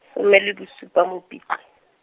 some le bosupa Mopitlwe.